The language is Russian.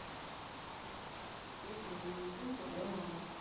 песня мамонтенка про маму